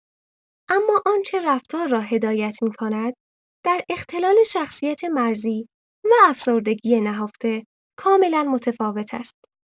اما آنچه رفتار را هدایت می‌کند در اختلال شخصیت مرزی و افسردگی نهفته کاملا متفاوت است.